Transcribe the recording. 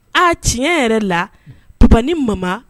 A tiɲɛ yɛrɛ la fisa ni mama